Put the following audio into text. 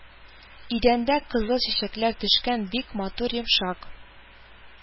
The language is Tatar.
Идәндә кызыл чәчәкләр төшкән бик матур йомшак